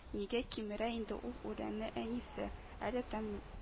Нигә кимерә инде ул үләнне әнисе? әллә тәм